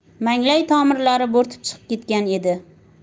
manglay to mirlari bo'rtib chiqib ketgan edi